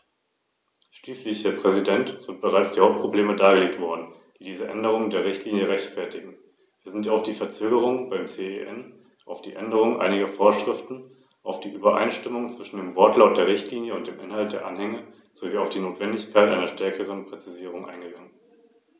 Wenn die Frau Kommissarin das heute nicht machen kann, wäre sie dann bereit, dem Ausschuss schriftlich den Stand der Dinge und den Stand der Verhandlungen zwischen CEN und Wirtschaftskommission zu übermitteln?